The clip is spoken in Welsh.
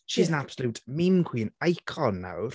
She's an absolute meme queen icon nawr.